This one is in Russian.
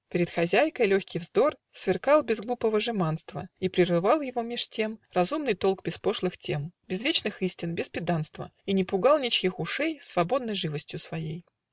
Перед хозяйкой легкий вздор Сверкал без глупого жеманства, И прерывал его меж тем Разумный толк без пошлых тем, Без вечных истин, без педантства, И не пугал ничьих ушей Свободной живостью своей.